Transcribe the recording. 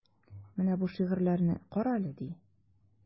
Менә бу шигырьләрне карале, ди.